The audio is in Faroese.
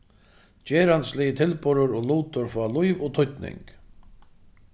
gerandisligir tilburðir og lutir fáa lív og týdning